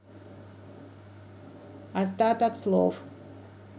остаток слов